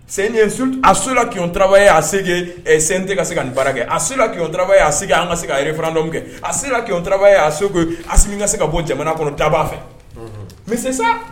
C'est une insulte à ceux là qui ont travaillé à ce que CNT ka se ka nin baara kɛ, à ceux là qui ont travaillé à ce que an ka se ka référendum kɛ, à ceux-là qui ont travaillé à ce que Asimi ka se ka bɔ daba fɛ, unhun, mais c'est ça